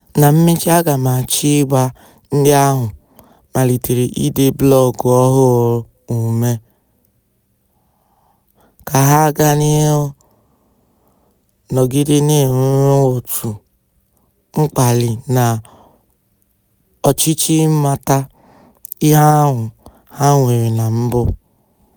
Na mmechi, aga m achọ ịgba ndị ahụ malitere ide blọọgụ ọhụrụ ụme ka ha gaa n'ihu nọgide na-enwe otu mkpali na ọchịchọ ịmata ihe ahụ ha nwere na mbụ.